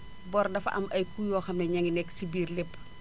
bor dafa am ay coût yoo xam ne éna ngi nekk si biir lépp